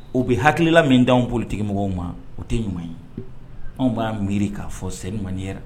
O bɛ hakilila min danw bolotigi mɔgɔw ma o tɛ ɲuman ye anw b'a miiri k'a fɔ se ɲuman